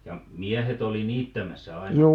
ja miehet oli niittämässä aina